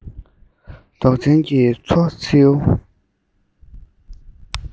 མདོག ཅན གྱི མཚོ མཚེའུ